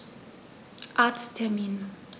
Arzttermin